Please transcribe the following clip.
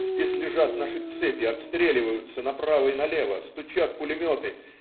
Здесь лежат наши цепи, отстреливаются направо и налево. Стучат пулеметы.